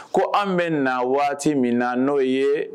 Ko an bɛ na waati min na n'o ye